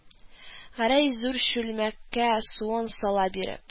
Гәрәй зур чүлмәккә суын сала биреп: